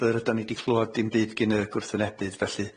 y rydan ni di clywad dim byd gin y gwrthwynebydd felly mi